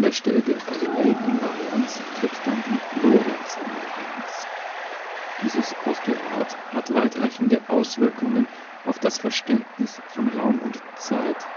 Stelle der Galilei-Invarianz tritt dann die Lorentz-Invarianz. Dieses Postulat hat weitreichende Auswirkungen auf das Verständnis von Raum und Zeit